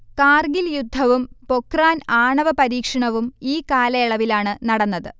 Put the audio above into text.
കാർഗിൽ യുദ്ധവും പൊഖ്റാൻ ആണവ പരീക്ഷണവും ഈ കാലയളവിലാണ് നടന്നത്